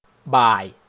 บ่าย